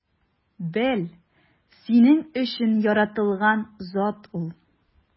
Бел: синең өчен яратылган зат ул!